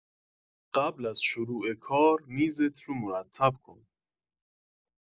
قبل از شروع کار میزت رو مرتب کن